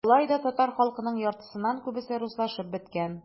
Болай да татар халкының яртысыннан күбесе - руслашып беткән.